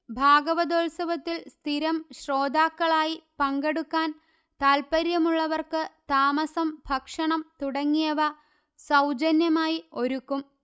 ഭാഗവതോത്സവത്തിൽ സ്ഥിരം ശ്രോതാക്കളായി പങ്കെടുക്കാൻതാല്പര്യമുള്ളവർക്ക് താമസം ഭക്ഷണം തുടങ്ങിയവ സൌജന്യമായി ഒരുക്കും